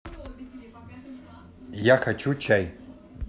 я хочу чай